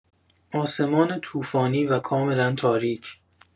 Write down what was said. آسمان طوفانی و کاملا تاریک